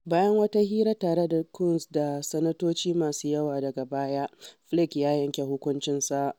Bayan wata hira tare da Coons da sanatoci masu yawa daga baya, Flake ya yanke hukuncinsa.